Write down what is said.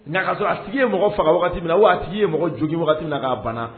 Ka sɔrɔ a sigi ye mɔgɔ faga wagati min na a waati a tigi' ye mɔgɔ jogin wagati na a bana